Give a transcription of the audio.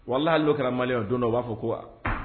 Wala' kɛra mali don dɔ u b'a fɔ ko